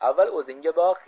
avval o'zingga boq